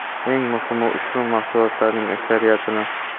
eng muhimi ushbu mahsulotlarning aksariyatini